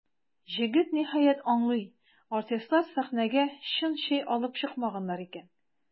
Җегет, ниһаять, аңлый: артистлар сәхнәгә чын чәй алып чыкмаганнар икән.